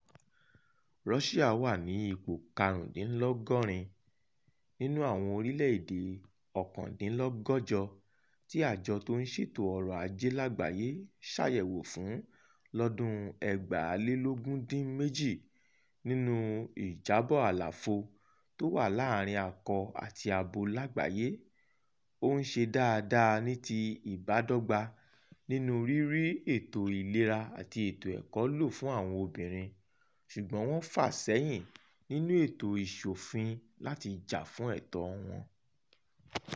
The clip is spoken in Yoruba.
Russia wà ní ipò 75 nínú àwọn orílẹ̀-èdè 149 tí Àjọ tó-ń-ṣètò-ọrọ̀-Ajé Lágbàáyé ṣàyẹ̀wò fún lọ́dún 2018 nínú Ìjábọ̀ Àlàfo tó wà láàárín Akọ àti Abo Lágbàáyé, ó ń ṣe dáadáa ní ti ìbádọ́gbà nínú rírí ètò ìlera àti ètò ẹ̀kọ́ lò fún àwọn obìnrin, ṣùgbọ́n wọ́n ń fà sẹ́yìn nínú ètò ìṣòfin láti jà fún ẹ̀tọ́ọ wọn.